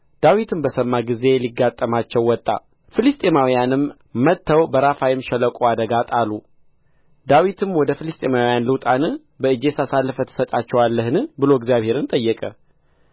ዳዊትም በሰማ ጊዜ ሊጋጠማቸው ወጣ ፍልስጥኤማውያንም መጥተው በራፋይም ሸለቆ አደጋ ጣሉ ዳዊትም ወደ ፍልስጥኤማውያን ልውጣን በእጄስ አሳልፈህ ትሰጣቸዋለህን ብሎ እግዚአብሔርን ጠየቀ